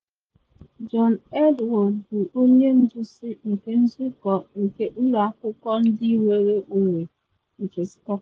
John Edward bụ Onye Nduzi nke Nzụkọ nke Ụlọ Akwụkwọ Ndị Nnwere Onwe nke Scotland